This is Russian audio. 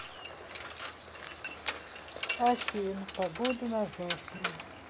афин погоду на завтра